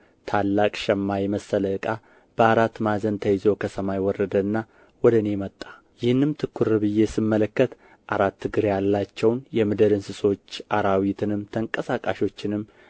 ታላቅ ሸማ የመሰለ ዕቃ በአራት ማዕዘን ተይዞ ከሰማይ ወረደና ወደ እኔ መጣ ይህንም ትኵር ብዬ ስመለከት አራት እግር ያላቸውን የምድር እንስሶች አራዊትንም ተንቀሳቃሾችንም